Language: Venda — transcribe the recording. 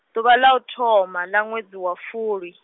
ḓuvha ḽa uthoma ḽa ṅwedzi wa fulwi.